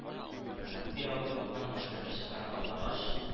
Бәхти абый баткан машинаны чыгара алмагач: